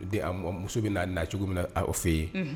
Muso bɛ n'a na cogo min na' fɛ yen